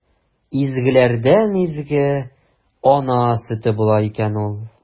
Изгеләрдән изге – ана сөте була икән ул!